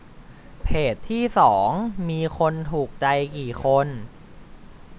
เพจที่สองมีคนถูกใจกี่คน